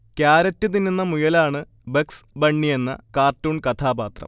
carrot തിന്നുന്ന മുയലാണ് Bugs ബണ്ണിയെന്ന കാർട്ടൂൺ കഥാപാത്രം